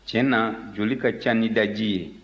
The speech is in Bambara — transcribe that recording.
tiɲɛ na joli ka ca ni daji ye